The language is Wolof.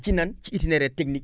ci nan ci itinéraire technique